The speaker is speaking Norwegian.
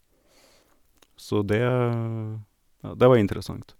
Så det ja det var interessant.